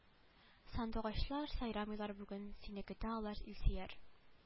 Сандугачлар сайрамыйлар бүген сине көтә алар илсөяр